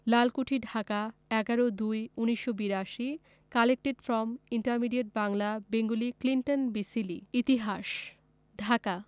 Lalkuthi Dhaka ১১ ০২ ১৯৮২ collected from intermediate Bangla Bengali Clinton B Seely ইতিহাস ঢাকা